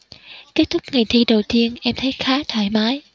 kết thúc ngày thi đầu tiên em thấy khá thoải mái